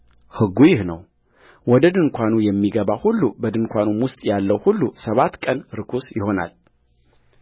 ሕጉ ይህ ነው ወደ ድንኳኑ የሚገባ ሁሉ በድንኳኑም ውስጥ ያለው ሁሉ ሰባት ቀን ርኵስ ይሆናል